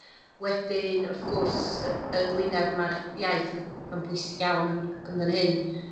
wedyn wrth gwrs y- yng Ngwynedd ma'r iaith yn yn bwysig iawn yn fan hyn